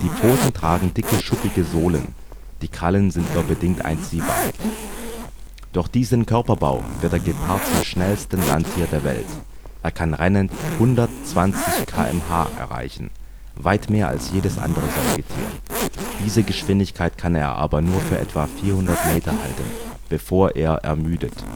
Pfoten tragen dicke, schuppige Sohlen; die Krallen sind nur bedingt einziehbar. Durch diesen Körperbau wird der Gepard zum schnellsten Landtier der Welt. Er kann rennend 120 km/h erreichen, weit mehr als jedes andere Säugetier - diese Geschwindigkeit kann er aber nur für etwa 400 m halten, bevor er ermüdet